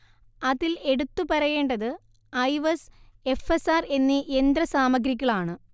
അതിൽ എടുത്തു പറയേണ്ടത് ഐവസ്, എഫ്എസ്ആർ എന്നീ യന്ത്ര സാമഗ്രികളാണ്